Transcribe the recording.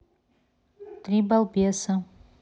три балбеса